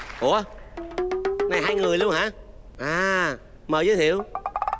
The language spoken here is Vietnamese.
ủa này hai người luôn hả a mời giới thiệu